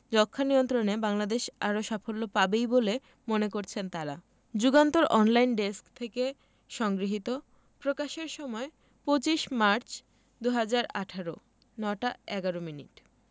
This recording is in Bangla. যক্ষ্মানিয়ন্ত্রণে বাংলাদেশ আরও সাফল্য পাবেই বলে মনে করছেন তারা যুগান্তর অনলাইন ডেস্ক থেকে সংগৃহীত প্রকাশের সময় ২৫ মার্চ ২০১৮ ০৯ টা ১১ মিনিট